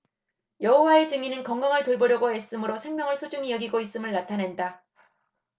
여호와의 증인은 건강을 돌보려고 애씀으로 생명을 소중히 여기고 있음을 나타낸다